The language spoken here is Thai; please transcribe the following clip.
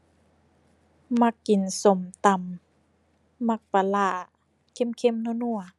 มักกินส้มตำ มักปลาร้า เค็มเค็มนัวนัว